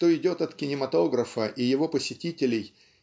что идет от кинематографа и его посетителей